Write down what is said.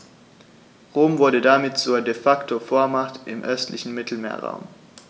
Rom wurde damit zur ‚De-Facto-Vormacht‘ im östlichen Mittelmeerraum.